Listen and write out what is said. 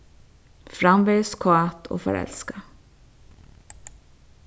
framvegis kát og forelskað